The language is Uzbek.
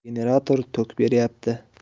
generatortok beryapti